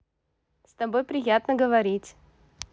тобой приятно говорить